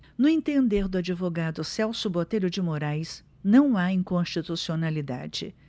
no entender do advogado celso botelho de moraes não há inconstitucionalidade